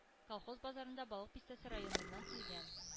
Колхоз базарында Балык Бистәсе районыннан килгән